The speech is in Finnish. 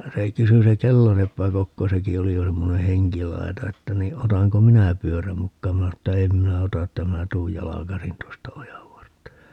se kysyi se kelloseppä Kokko sekin oli jo semmoinen henkilaita että niin otanko minä pyörän mukaan minä sanoin että en minä ota että minä tulen jalkaisin tuosta ojanvartta